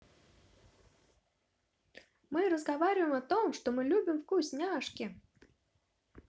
мы разговариваем о том что мы любим вкусняшки